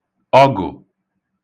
ọgụ̀